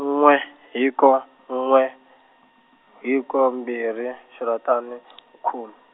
n'we hiko n'we, hiko mbirhi, xirhatana, k- khum-.